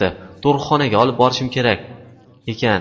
tug'ruqxonaga olib borishim kerak ekan